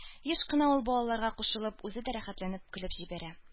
Еш кына ул, балаларга кушылып, үзе дә рәхәтләнеп көлеп җибәрә.